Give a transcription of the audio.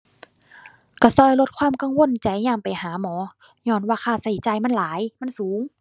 ก็ก็ลดความกังวลใจยามไปหาหมอ ญ้อนว่าค่าก็จ่ายมันหลาย มันสูง